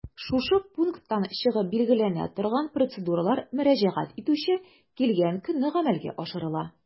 Шушы пункттан чыгып билгеләнә торган процедуралар мөрәҗәгать итүче килгән көнне гамәлгә ашырыла.